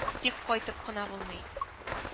Тик кайтып кына булмый